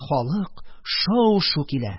Халык шау-шу килә.